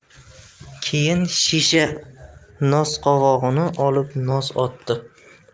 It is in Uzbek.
keyin shisha nosqovog'ini olib nos otdi